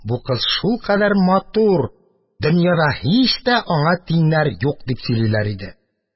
Бу кыз шулкадәр матур, дөньяда һич тә аңа тиңнәр юк дип сөйлиләр иде.